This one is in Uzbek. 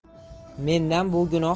mendan bu gunoh